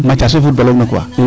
Mathiase fee footbaal ogina quoi